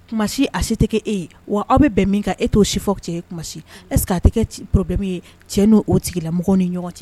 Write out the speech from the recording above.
Si a se tɛ e ye wa aw bɛ bɛn min kan e t'o si fɔw cɛ ye kumasi eseke a tɛ kɛorobemi ye cɛ n'o o tigi la mɔgɔ ni ɲɔgɔn cɛ